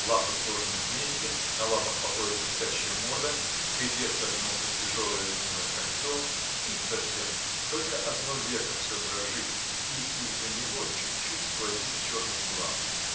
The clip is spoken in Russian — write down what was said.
Лапы сложены вместе, на лапах покоится спящая морда, хребет согнулся в тяжелое, ленивое кольцо: спит совсем, только одно веко всё дрожит, и из-за него чуть-чуть сквозит черный глаз.